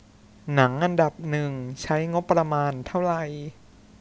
หนังอันดับหนึ่งใช้งบประมาณเท่าไหร่